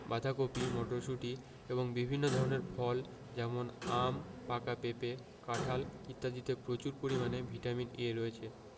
বাঁধাকপি মটরশুঁটি এবং বিভিন্ন ধরনের ফল যেমন আম পাকা পেঁপে কাঁঠাল ইত্যাদিতে প্রচুর পরিমানে ভিটামিন A রয়েছে